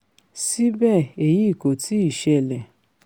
Síbẹ̀ èyí kò tìí ṣẹlẹ̀.